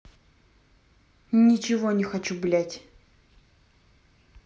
ничего хочу блядь